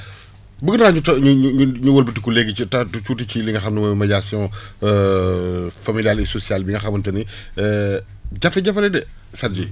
bëgg naa ñu toogb ñu ñu ñu wëlbatiku léegi ci tuuti ci li nga xam ne mooy médiation familiale et sociale bi nga xamante ni jafe-jafe la de Sadji